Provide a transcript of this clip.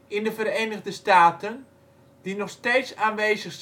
in de Verenigde Staten die nog steeds aanwezig